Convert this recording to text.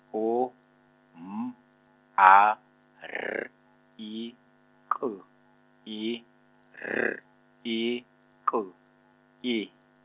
U, M, A, R, I, K, I, R, I, K, I.